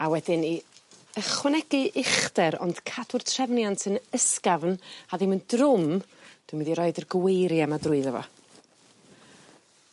A wedyn 'ny ychwanegu uchder ond cadw'r trefniant yn ysgafn a ddim yn drwm, dwi'n mynd i roid y gweirie 'ma drwyddo fo.